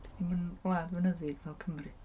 Ddim yn wlad fynyddig fel Cymru.